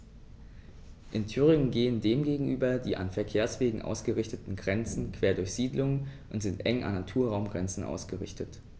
In Thüringen gehen dem gegenüber die an Verkehrswegen ausgerichteten Grenzen quer durch Siedlungen und sind eng an Naturraumgrenzen ausgerichtet.